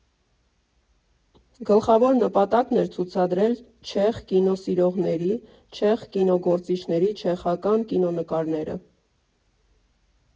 Գլխավոր նպատակն էր ցուցադրել չեխ կինոսիրողների, չեխ կինոգործիչների չեխական կինոնկարները։